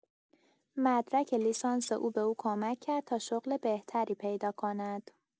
مدرک لیسانس او به او کمک کرد تا شغل بهتری پیدا کند.